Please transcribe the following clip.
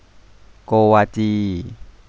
โกวาจี